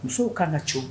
Musow kan ka c